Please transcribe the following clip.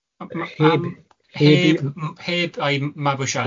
Heb heb m- heb a'i mabwysiadu.